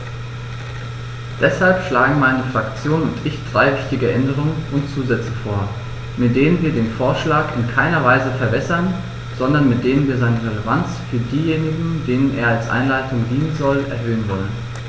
Deshalb schlagen meine Fraktion und ich drei wichtige Änderungen und Zusätze vor, mit denen wir den Vorschlag in keiner Weise verwässern, sondern mit denen wir seine Relevanz für diejenigen, denen er als Anleitung dienen soll, erhöhen wollen.